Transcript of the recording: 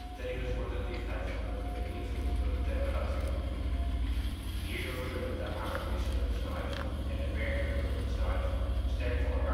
Tevens wordt de dichtheid van de lucht beïnvloed door de temperatuur. Hierdoor kunnen de aangewezen luchtsnelheid en de werkelijke luchtsnelheid sterk van